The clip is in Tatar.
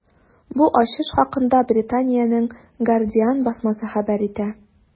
Бу ачыш хакында Британиянең “Гардиан” басмасы хәбәр итә.